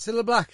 Cilla Black?